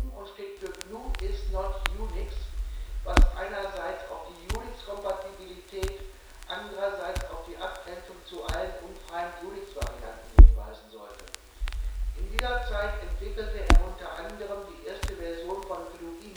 GNU is Not Unix), was einerseits auf die Unix-Kompatibilität, andererseits auf die Abgrenzung zu allen unfreien Unix-Varianten hinweisen sollte. In dieser Zeit entwickelte er unter anderem die erste Version von GNU Emacs